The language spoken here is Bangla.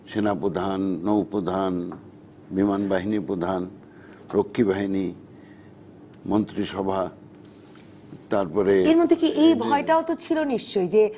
সেনাপ্রধান নৌপ্রধান বিমান বাহিনী প্রধান রক্ষীবাহিনী মন্ত্রিসভা তারপরে এর মধ্যে কি এই ভয়টাও তো ছিল নিশ্চয়ই যে